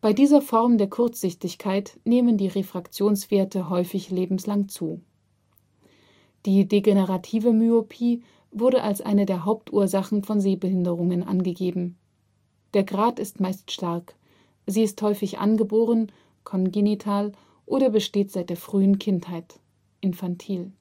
dieser Form der Kurzsichtigkeit nehmen die Refraktionswerte häufig lebenslang zu. Die degenerative Myopie wurde als eine der Hauptursachen von Sehbehinderungen angegeben. Der Grad ist meist stark, sie ist häufig angeboren (kongenital) oder besteht seit der frühen Kindheit (infantil